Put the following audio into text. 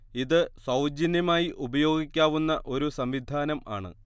ഇത് സൗജന്യമായി ഉപയോഗിക്കാവുന്ന ഒരു സംവിധാനം ആണ്